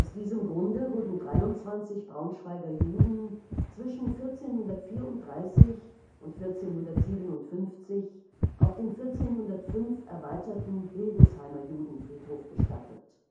diesem Grunde wurden 23 Braunschweiger Juden zwischen 1434 und 1457 auf dem 1405 erweiterten Hildesheimer Judenfriedhof bestattet